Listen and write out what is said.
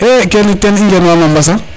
e kene tenb i ngen wa Bab Mbasa